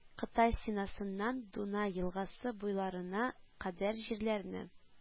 Кытай стенасыннан Дунай елгасы буйларына кадәр җирләрне